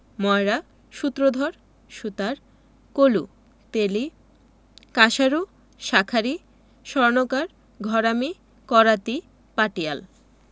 ময়রা সূত্রধর সুতার কলু তেলী কাঁসারু শাঁখারি স্বর্ণকার ঘরামি করাতি পাটিয়াল